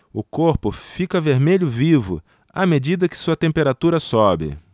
o corpo fica vermelho vivo à medida que sua temperatura sobe